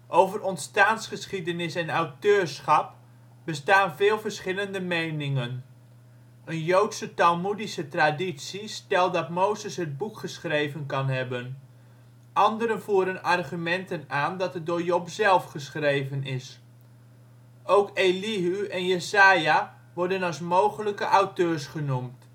Over ontstaansgeschiedenis en auteurschap bestaan veel verschillende meningen. Een joodse talmoedische traditie stelt dat Mozes het boek geschreven kan hebben. Anderen voeren argumenten aan dat het door Job zelf geschreven is. Ook Elihu en Jesaja worden als mogelijke auteur genoemd